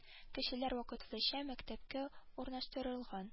Кешеләр вакытлыча нчы мәктәпкә урнаштырылган